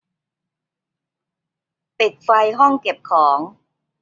ปิดไฟห้องเก็บของ